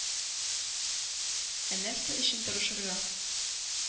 Ә нәрсә өчен тырышырга?